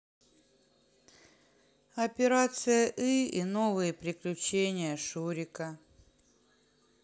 операция ы и новые приключения шурика